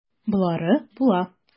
Болары була.